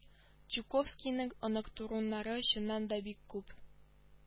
Чуковскийның онык-туруннары чыннан да бик күп